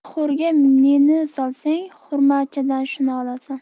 oxurga neni solsang xurmachadan shuni olasan